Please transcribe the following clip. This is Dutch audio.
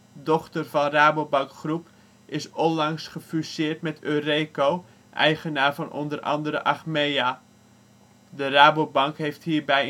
dochter van de Rabobank Groep is onlangs gefuseerd met Eureko (eigenaar van onder andere Achmea) De Rabobank heeft hierbij